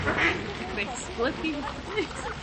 Blydi hypocrite. Blydi hypocrite.